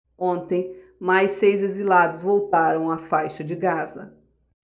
ontem mais seis exilados voltaram à faixa de gaza